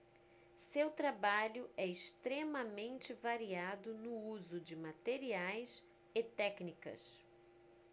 seu trabalho é extremamente variado no uso de materiais e técnicas